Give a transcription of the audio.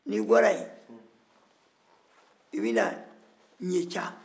n'i bɔra yen i bɛ na ɲeca